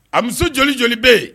A muso joli joli bɛ yen